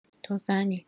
تو زنی.